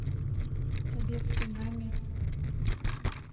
собецкий гамми